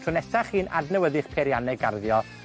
tro nesa chi'n adnewyddu'ch peirianne garddio,